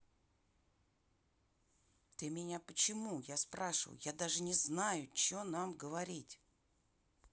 ты меня почему я спрашиваю я даже не знаю че нам говорить